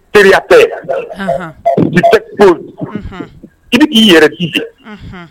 Teri tɛ ki k ii yɛrɛ jija